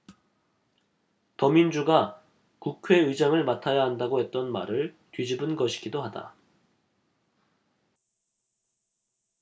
더민주가 국회의장을 맡아야 한다고 했던 말을 뒤집은 것이기도 하다